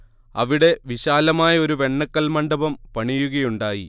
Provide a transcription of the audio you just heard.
അവിടെ വിശാലമായ ഒരു വെണ്ണക്കൽ മണ്ഡപം പണിയുകയുണ്ടായി